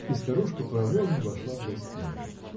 -- И старушка проворно вошла в гостиную.